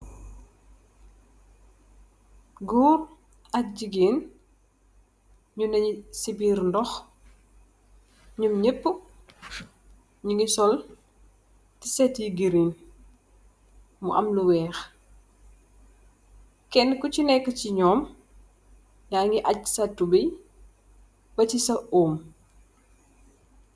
Gorre ak gigain njungy cii birr ndoh, njom njepue njungy sol setti yu green mu am lu wekh, kenue ku chi nekue chi njom yaangy ahjj sa tubeiy beh ti sa oohm.